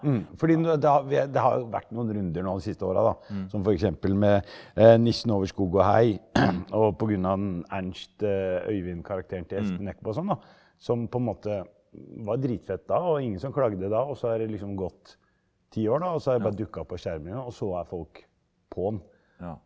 fordi nå det har vi det har jo vært noen runder nå de siste åra da som f.eks. med Nissene over skog og hei og pga. den Ernst Øyvind-karakteren til Espen Eckbo og sånn da som på en måte var dritfet da og ingen som klagde da og så er det liksom gått ti år da og så har det bare dukka opp på skjermen igjen og så er folk på han.